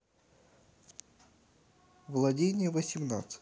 владение восемнадцать